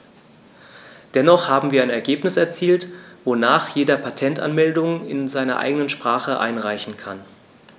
Dennoch haben wir ein Ergebnis erzielt, wonach jeder Patentanmeldungen in seiner eigenen Sprache einreichen kann.